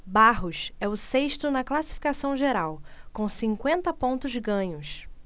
barros é o sexto na classificação geral com cinquenta pontos ganhos